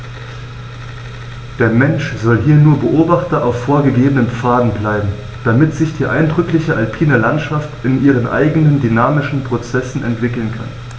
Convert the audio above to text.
Der Mensch soll hier nur Beobachter auf vorgegebenen Pfaden bleiben, damit sich die eindrückliche alpine Landschaft in ihren eigenen dynamischen Prozessen entwickeln kann.